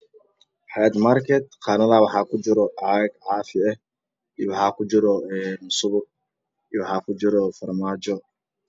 Xayad marked qanadah waxa kujiro caag caafi eh io subag io farmajo